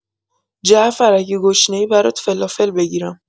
جعفر اگه گشنه‌ای برات فلافل بگیرم